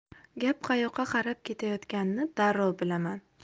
gap qayoqqa qarab ketayotganini darrov bilaman